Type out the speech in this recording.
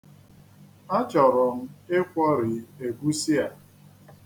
Achọrọ m ikwọri egwusi a.